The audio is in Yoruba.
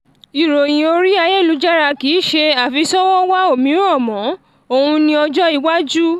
Ìròyìn orí ayélujára kìí ṣe àfisọ́wọ́-wá-òmíràn mọ́: òun ni ọjọ́-iwájú.